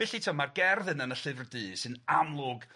Felly t'mo' ma'r gerdd yna yn y llyfr du sy'n amlwg